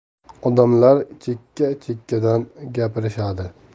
odamlar chekka chekkadan gapirishadi